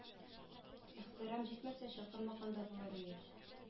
Ихтирам җитмәсә чакырмаган да булырые